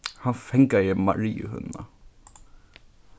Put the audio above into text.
hann fangaði mariuhønuna